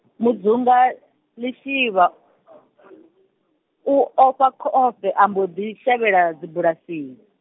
Mudzunga, Lishivha, u ofha khovhe a mbo ḓi shavhela dzibulasini.